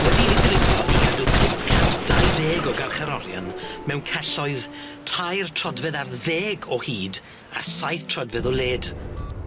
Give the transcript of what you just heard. Wedi ei ddylunio i gadw pump cant dau ddeg o garcharorion mewn celloedd tair trodfedd ar ddeg o hyd a saith troedfedd o led.